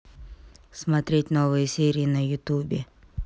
смотреть новые серии на ютубе